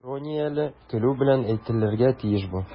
Иронияле көлү белән әйтелергә тиеш бу.